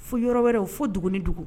Fo yɔrɔ wɛrɛw fo dugu ni dugu.